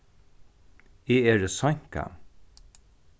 eg eri seinkað